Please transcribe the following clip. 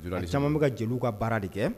A caman bɛ ka jeliw ka baara de kɛ